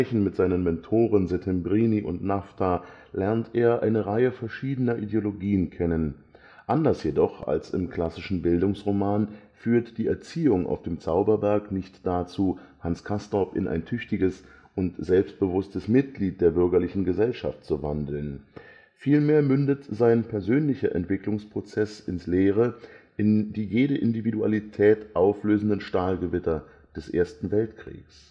mit seinen Mentoren Settembrini und Naphta lernt er eine Reihe verschiedener Ideologien kennen. Anders jedoch als im klassischen Bildungsroman führt die „ Erziehung “auf dem Zauberberg nicht dazu, Hans Castorp in ein tüchtiges und selbstbewusstes Mitglied der bürgerlichen Gesellschaft zu wandeln. Vielmehr mündet sein persönlicher Entwicklungsprozess ins Leere, in die jede Individualität auflösenden Stahlgewitter des ersten Weltkriegs